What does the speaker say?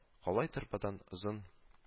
Калай торбадан озын